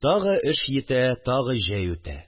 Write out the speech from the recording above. Тагы эш йитә, тагы җәй үтә